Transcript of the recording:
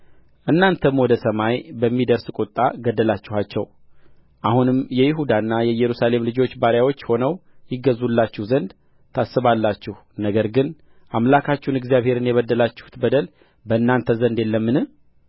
እናንተም ወደ ሰማይ በሚደርስ ቍጣ ገደላችኋቸው አሁንም የይሁዳንና የኢየሩሳሌም ልጆች ባሪያዎች ሆነው ይገዙላችሁ ዘንድ ታስባላችሁ ነገር ግን አምላካችሁን እግዚአብሔርን የበደላችሁት በደል በእናንተ ዘንድ የለምን